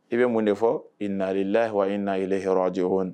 I bɛ mun de fɔ i naare i la wa in naay hjɛ h